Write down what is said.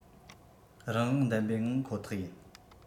རང དབང ལྡན པའི ངང ཁོ ཐག ཡིན